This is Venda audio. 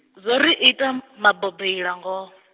zwo ri ita, maboboila ngo ho.